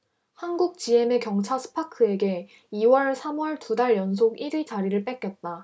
한국지엠의 경차 스파크에게 이 월 삼 월 두 달 연속 일 위 자리를 뺏겼다